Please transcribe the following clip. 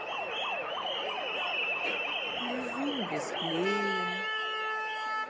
лизун без клея